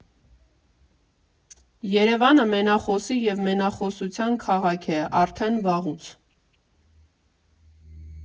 Երևանը մենախոսի ու մենախոսության քաղաք է՝ արդեն վաղուց։